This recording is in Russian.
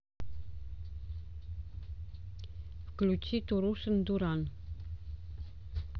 включи турушин дуран